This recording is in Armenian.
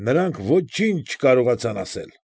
Նրանք ոչինչ չկարողացան ասել։